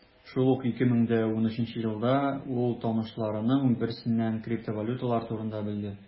Шул ук 2013 елда ул танышларының берсеннән криптовалюталар турында белде.